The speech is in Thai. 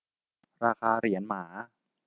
ราคาเหรียญหมา